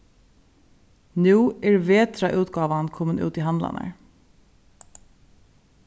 nú er vetrarútgávan komin út í handlarnar